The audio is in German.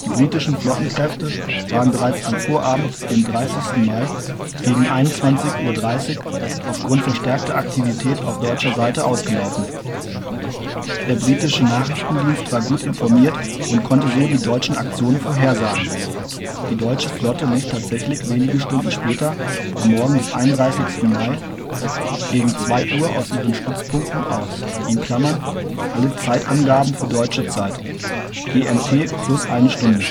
britischen Flottenkräfte waren bereits am Vorabend dem 30. Mai gegen 21:30 Uhr auf Grund verstärkter Aktivität auf deutscher Seite ausgelaufen. Der britische Nachrichtendienst war gut informiert und konnte so die deutschen Aktionen vorhersagen. Die deutsche Flotte lief tatsächlich wenige Stunden später am Morgen des 31. Mai gegen 2:00 Uhr aus ihren Stützpunkten aus. (Alle Zeitangaben für deutsche Zeit, GMT + 1 Stunde